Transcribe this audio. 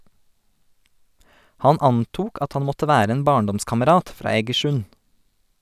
Han antok at han måtte være en barndomskamerat, fra Egersund.